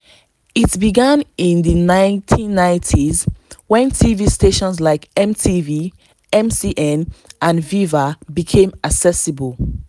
It began in the 1990s when TV stations like MTV, MCM and VIVA became accessible.